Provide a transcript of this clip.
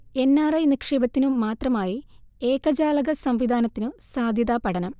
N R I നിക്ഷേപത്തിനു മാത്രമായി ഏകജാലക സംവിധാനത്തിനു സാധ്യതാ പഠനം